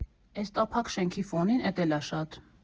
֊ Էս տափակ շենքի ֆոնին էտ էլ ա շատ։